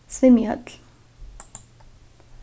svimjihøll